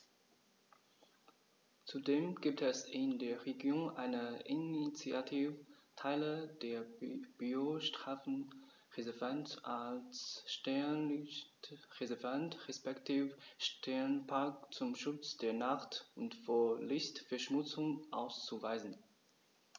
Zudem gibt es in der Region eine Initiative, Teile des Biosphärenreservats als Sternenlicht-Reservat respektive Sternenpark zum Schutz der Nacht und vor Lichtverschmutzung auszuweisen.